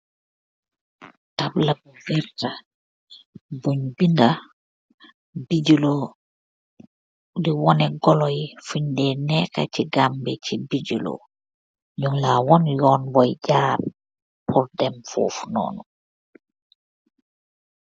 Tabla bu picca, buñg binda Bijilo, di wane goloyi, fuñg de nekë si Gambi, ci Bijilo. Ñung Lai wan foot Jaar, ba dem foofu noon.